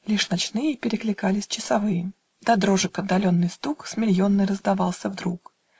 лишь ночные Перекликались часовые, Да дрожек отдаленный стук С Мильонной раздавался вдруг